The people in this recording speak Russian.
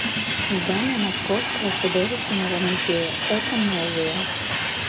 здание московского художественного музея это новые